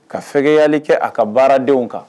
Ka fɛgɛyali kɛ a ka baaradenw kan.